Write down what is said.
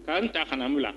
'an ta fanamu la